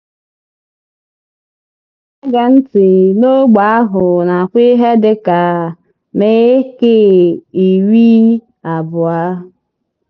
Ndị na-ege ntị n’ogbe ahụ na-akwụ ihe dị ka MK20.